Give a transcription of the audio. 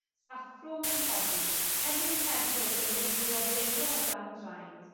Saffrwm yn codi, cennin Pedr o Gymru'n blodeuo o dan draed,